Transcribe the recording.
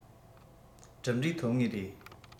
གྲུབ འབྲས ཐོབ ངེས རེད